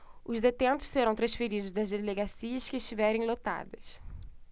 os detentos serão transferidos das delegacias que estiverem lotadas